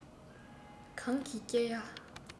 གང གིས བསྐྱལ བ